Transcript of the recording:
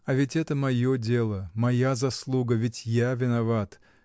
А ведь это мое дело, моя заслуга, ведь я виноват.